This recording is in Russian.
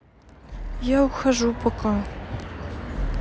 я ухожу пока